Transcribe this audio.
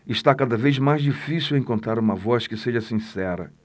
está cada vez mais difícil encontrar uma voz que seja sincera